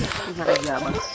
Maxey jaaɓang